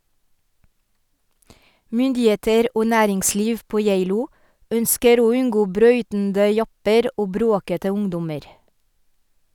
Myndigheter og næringsliv på Geilo ønsker å unngå brautende japper og bråkete ungdommer.